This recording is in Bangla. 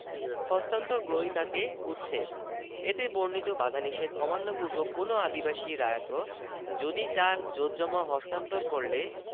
২ হস্তান্তর গ্রহীতাকে উচ্ছেদ এতে বর্ণিত বাধানিষেধ অমান্যপূর্বক কোন আদিবাসী রায়ত যদি তার জোতজমা হস্তান্তর করলে